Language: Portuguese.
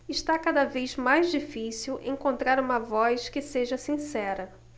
está cada vez mais difícil encontrar uma voz que seja sincera